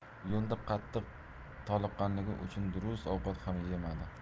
yo'lda qattiq toliqqanligi uchun durust ovqat ham yemadi